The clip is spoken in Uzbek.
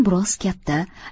biroz katta